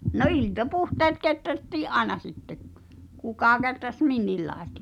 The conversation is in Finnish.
no iltapuhteet kehrättiin aina sitten kuka kehräsi minkinlaista